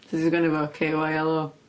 Sut ti'n sgwennu fo? KYLO?